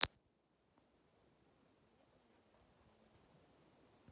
полезные советы